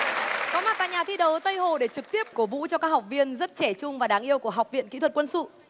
có mặt tại nhà thi đấu tây hồ để trực tiếp cổ vũ cho các học viên rất trẻ trung và đáng yêu của học viện kỹ thuật quân sự